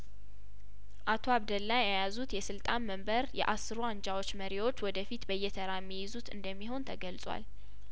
አቶ አብደላ የያዙት የስልጣን መንበር የአስሩ አንጃዎች መሪዎች ወደፊት በየተራ እሚይዙት እንደሚሆን ተገልጿል